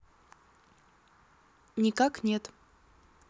никак нет